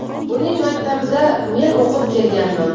buning maktabida men o'qib kelganman